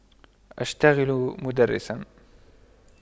أشتغل مدرسا